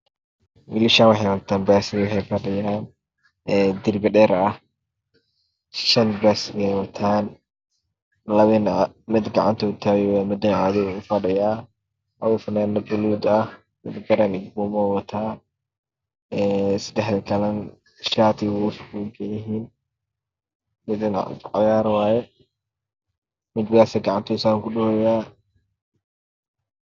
Wiilashan waxay wataan baas darbi ayay fadhiyaan midna gacanta ayuu ku hayaa midna banooni ayaa ka cararay mid garan iyo burmo ayuu wataa saddexda kaloo gacanta saan ku dhahooyaa